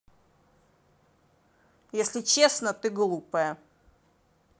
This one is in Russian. если честно ты глупая